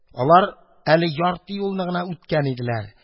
Алар әле ярты юлны гына үткән иделәр.